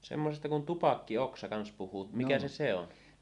semmoisesta kuin tupakkioksa kanssa puhuvat mikä se se on